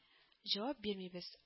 Җавап бирмибез